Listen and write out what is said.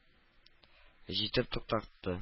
Җитеп туктатты